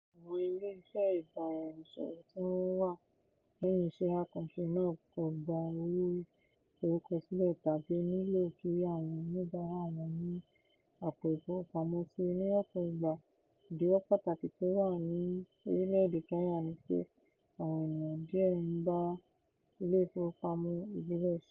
Àwọn ilé iṣẹ́ ìbáraẹnisọ̀rọ̀ tí wọ́n wà lẹ́yìn iṣẹ́ àkànṣe náà kò gba owó ìforúkọsílẹ̀ tàbí nílò kí àwọn oníbàárà wọn ní àpò ìfowópamọ́ sí, ní ọ̀pọ̀ ìgbà ìdíwọ́ pàtàkì tí ó wà ní orílẹ̀ èdè Kenya ni pé àwọn ènìyàn díẹ̀ ń bá àwọn ilé ìfowópamọ́ ìbílẹ̀ ṣe.